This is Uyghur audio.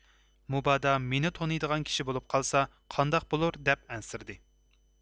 مۇبادا مېنى تونۇيدىغان كىشى بولۇپ قالسا قانداق بولۇر دەپ ئەنسىرىدى